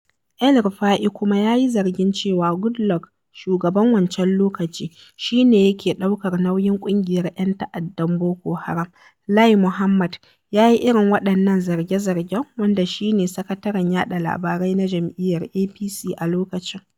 El-Rufa'i kuma ya yi zargin cewa Goodluck, shugaban wancan lokaci, shi ne yake ɗaukar nauyin ƙungiyar 'yan ta'addan Boko Haram. Lai Mohammed, ya yi irin waɗannan zarge-zargen, wanda shi ne sakataren yaɗa labarai na jam'iyyar APC a lokacin.